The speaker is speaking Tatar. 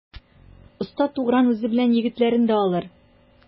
Оста Тугран үзе белән егетләрен дә алыр.